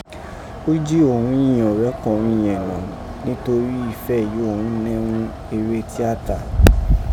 O ji òghun yìn ọrẹkunrẹn yẹ̀n nọ̀ notogho ifẹ yìí òghun nẹ́ ghún ere tiata.